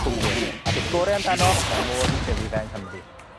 siwgyr. A'r peth gore amdano, ma' modd 'i dyfu fe yng Nghymru.